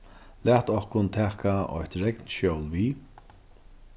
lat okkum taka eitt regnskjól við